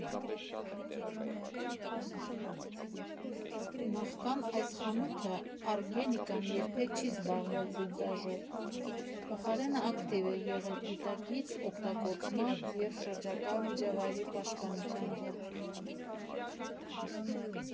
Նախքան այս խանութը, Արգենիկան երբեք չի զբաղվել վինտաժով, փոխարենը ակտիվ է եղել գիտակից օգտագործման և շրջակա միջավայրի պաշտպանության գործում։